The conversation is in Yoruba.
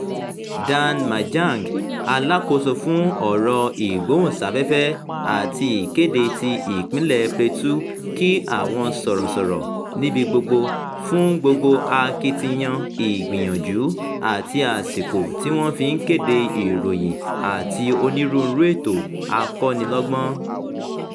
Dan Manjang, alákòóso fún oọ̀rọ̀ ìgbóhùnsáfẹ́fẹ́ àti ìkéde ti Ìpínlẹ̀ Plateau, kí àwọn sọ̀rọ̀sọ̀rọ̀ níbi gbogbo fún "gbogbo akitiyan, ìgbìyànjú àti àsìkò" tí wọ́n fi ń kéde ìròyìn àti onírúurú ètò akọ́nilọ́gbọ́n: